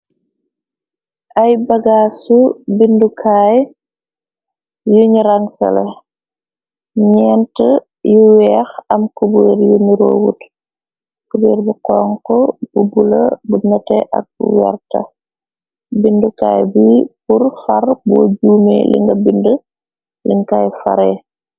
Ay bagaasu bindukaay yu ñu rang sale ñeent yu weex am kuber yu nirowuot cuberbu conk bu bula bu nete ak werta bindukaay bi pur far bo juume linga bindi linaay faree.